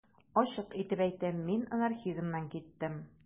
Ачык итеп әйтәм: мин анархизмнан киттем.